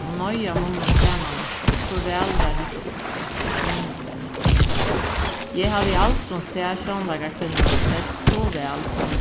og noyða munnin saman aftur so væl var hetta uppsett og ikki minni spælt eg havi aldrin sæð sjónleikarakvinnuna spælt so væl sum hon